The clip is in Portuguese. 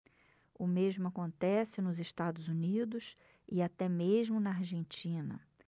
o mesmo acontece nos estados unidos e até mesmo na argentina